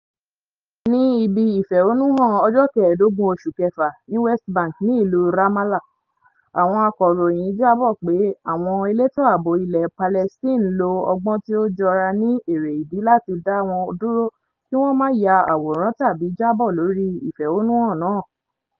Ní ibi ìfẹhónúhàn ọjọ́ kẹẹ̀dógún oṣù kẹfà ní West Bank ní ìlú Ramallah, àwọn akọ̀ròyìn jábọ̀ pé àwọn elétò àbò ilẹ̀ Palestine lo ọgbọ́n tí ó jọra ní èrè ìdí láti dá wọn dúró kí wọ́n má ya àwòrán tàbí jábọ̀ lórí ìfẹhónúhàn náà.